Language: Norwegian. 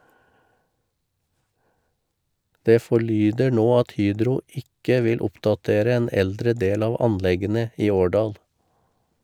Det forlyder nå at Hydro ikke vil oppdatere en eldre del av anleggene i Årdal.